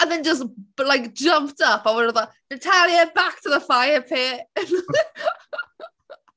And then just b- like jumped up a oedd e fel "Natalia back to the fire pit". .